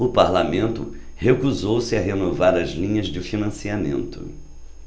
o parlamento recusou-se a renovar as linhas de financiamento